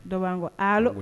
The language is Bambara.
Dɔ ko ali